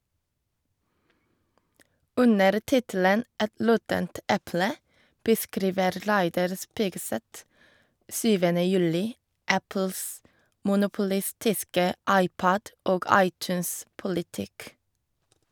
Under tittelen «Et råttent eple» beskriver Reidar Spigseth 7. juli Apples monopolistiske iPod- og iTunes-politikk.